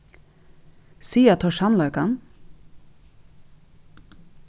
siga teir sannleikan